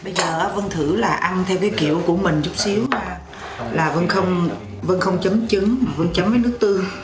bây giờ á là vân ăn thử là ăn theo cái kiểu của mừn chút xíu là vân không vân không chấm trứng mà vân chấm với nước tương